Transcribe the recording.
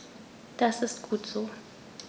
Das ist gut so.